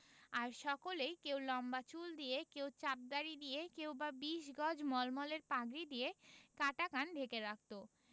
আর সকলেই কেউ লম্বা চুল দিয়ে কেউ চাপ দাড়ি দিয়ে কেউ বা বিশ গজ মলমলের পাগড়ি দিয়ে কাটা কান ঢেকে রাখত